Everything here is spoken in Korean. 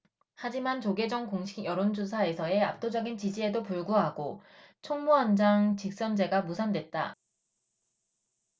하지만 조계종 공식 여론조사에서의 압도적인 지지에도 불구하고 총무원장 직선제가 무산됐다